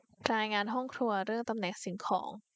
รายงานห้องครัวเรื่องตำแหน่งสิ่งของ